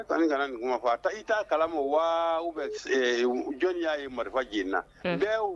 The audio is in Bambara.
Kana nin kuma fɔ a i' kala ma wa u bɛ jɔnni y'a ye marifa j na